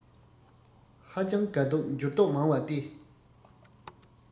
ཧ ཅང དགའ སྡུག འགྱུར ལྡོག མང བ སྟེ